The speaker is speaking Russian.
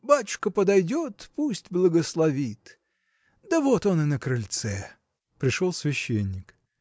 Батюшка подойдет, пусть благословит! Да вот он и на крыльце! Пришел священник.